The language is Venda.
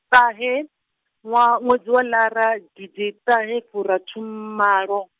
ṱahe, nwa ṅwedzi wa lara gidiḓaṱahefurathimalo.